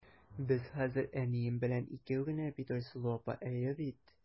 Без хәзер әнием белән икәү генә бит, Айсылу апа, әйе бит?